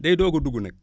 day doog a dugg nag